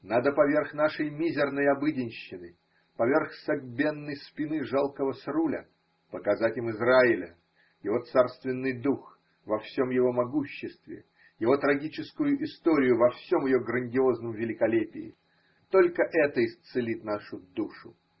Надо поверх нашей мизерной обыденщины, поверх согбенной спины жалкого Сруля, показать им Израиля, его царственный дух во всем его могуществе, его трагическую историю во всем ее грандиозном великолепии. Только это исцелит нашу душу.